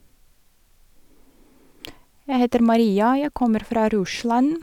Jeg heter Maria, jeg kommer fra Russland.